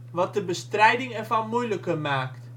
wat de bestrijding ervan moeilijker maakt